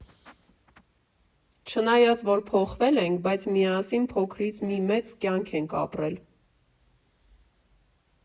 Չնայած որ փոխվել ենք, բայց միասին փոքրուց մի մեծ կյանք ենք ապրել։